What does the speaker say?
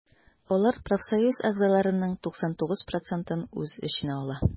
Алар профсоюз әгъзаларының 99 процентын үз эченә ала.